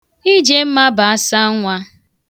Ijemma bụ asa nwa.